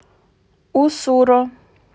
у сура